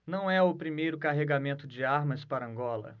não é o primeiro carregamento de armas para angola